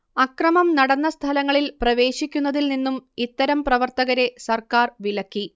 അക്രമം നടന്ന സ്ഥലങ്ങളിൽ പ്രവേശിക്കുന്നതിൽ നിന്നും ഇത്തരം പ്രവർത്തകരെ സർക്കാർ വിലക്കി